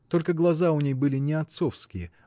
только глаза у ней были не отцовские